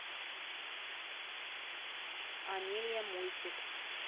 амелия мультик